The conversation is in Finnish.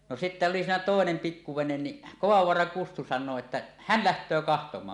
no sitten oli siinä toinen pikku vene niin Kovavaaran Kustu sanoo että hän lähtee katsomaan